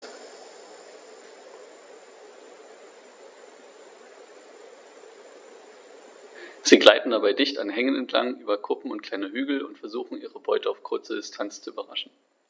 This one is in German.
Sie gleiten dabei dicht an Hängen entlang, über Kuppen und kleine Hügel und versuchen ihre Beute auf kurze Distanz zu überraschen.